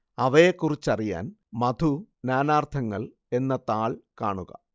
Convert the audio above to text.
അവയെക്കുറിച്ചറിയാൻ മധു നാനാർത്ഥങ്ങൾ എന്ന താൾ കാണുക